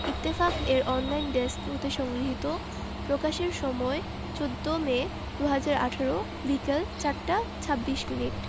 ইত্তেফাক এর online desk হতে সংগৃহীত প্রকাশের সময় ১৪মে ২০১৮ বিকেল ৪টা ২৬ মিনিট